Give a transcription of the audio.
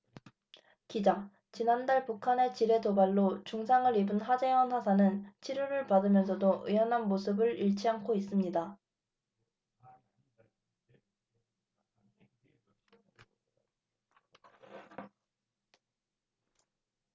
기자 지난달 북한의 지뢰 도발로 중상을 입은 하재헌 하사는 치료를 받으면서도 의연한 모습을 잃지 않고 있습니다